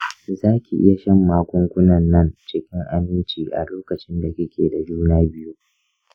zaki iya shan magungunan nan cikin aminci a lokacin da kike da juna biyu.